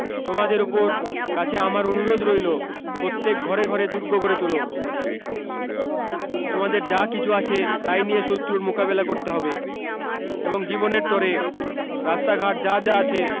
তোমাদের উপর কাছে আমার অনুরোধ রইলো প্রত্যেক ঘরে ঘরে দূর্গ গড়ে তুলো তোমাদের যা কিছু আছে তাই নিয়ে শত্রুর মোকাবেলা করতে হবে এবং জীবনের তরে রাস্তাঘাট যা যা আছে